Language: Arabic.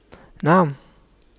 نعم